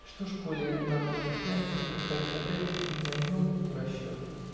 Что ж, коли нам его снять, судырь, так опять-таки найдем ли тут расчет?